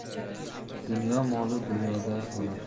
beburdga behisht yo'q qaytib kelsa do'zax ham